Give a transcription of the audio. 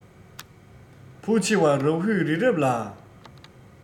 བུ ཆེ བ རཱ ཧུས རི རབ ལ